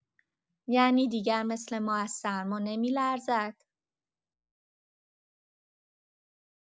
یعنی دیگر مثل ما از سرما نمی‌لرزد؟!